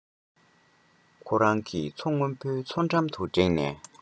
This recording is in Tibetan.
ཁོ རང གི མཚོ སྔོན པོའི མཚོ འགྲམ དུ འགྲེངས ནས